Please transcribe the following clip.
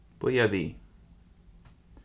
bíða við